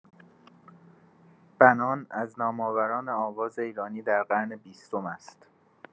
بنان از نام‌آوران آواز ایرانی در قرن بیستم است.